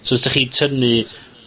So os 'dach chi tynnu